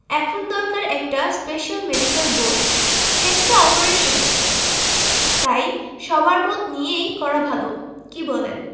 এখন দরকার একটা স্পেশাল মেডিকেল বোর্ড কেসটা অপারেশনের তাই সবার মত নিয়েই করা ভালো কি বলেন